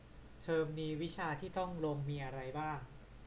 เทอมนี้วิชาที่ต้องลงมีอะไรบ้าง